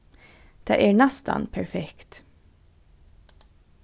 tað er næstan perfekt